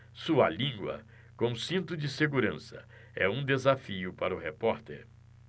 sua língua com cinto de segurança é um desafio para o repórter